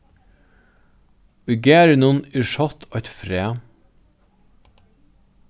í garðinum er sátt eitt fræ